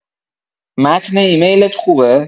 متن ایملت خوبه؟